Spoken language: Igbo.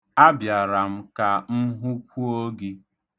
Abịara m ka m hụkwuo gị.